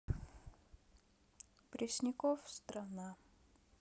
пресняков страна